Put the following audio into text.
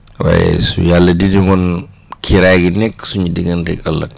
waaye su yàlla dindi woon kiiraay gi nekk suñu digganteeg ëllëg